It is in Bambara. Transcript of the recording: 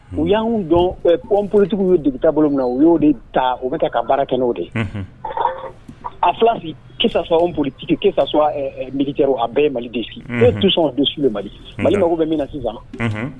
U y' dɔn politigiw ye duguta bolo na u y'o de ta u bɛ ka baara kɛnɛ o de a filasi politigi mali a bɛɛ ye mali de dusɔn ka su mali mali mako bɛ min na sisan